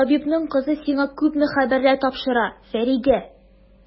Табибның кызы сиңа күпме хәбәрләр тапшыра, Фәридә!